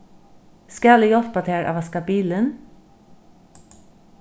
skal eg hjálpa tær at vaska bilin